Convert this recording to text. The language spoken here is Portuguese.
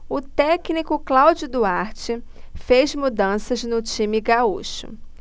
o técnico cláudio duarte fez mudanças no time gaúcho